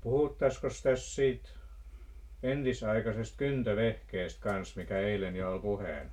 puhuttaisiinkos tässä siitä entisaikaisesta kyntövehkeestä kanssa mikä eilen jo oli puheena